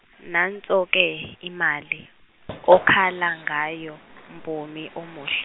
nanso ke imali, okhala ngayo Mpumi omuhle.